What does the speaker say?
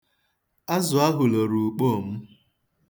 Azụ ahụ loro ukpoo m.